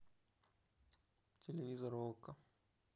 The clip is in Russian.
телевизор окко